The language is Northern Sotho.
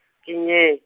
ke nye-.